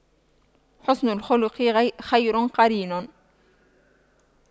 حُسْنُ الخلق خير قرين